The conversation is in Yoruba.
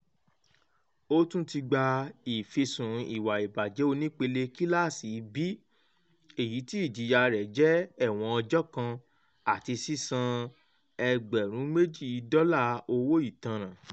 Ó tún ti gba ìfisùn ìwà ìbàjẹ́ onípele Kíláàsì B, èyí tí ìjìyà rẹ̀ jẹ́ ẹ̀wọ̀n ọjọ kan àti sísan $2,000 owó ìtánràn.